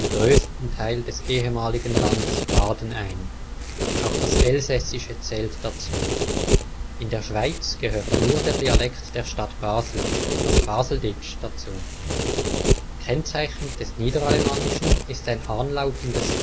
größten Teil des ehemaligen Landes Baden ein. Auch das Elsässische zählt dazu. In der Schweiz gehört nur der Dialekt der Stadt Basel, das Baseldytsch, dazu. Kennzeichen des Niederalemannischen ist ein anlautendes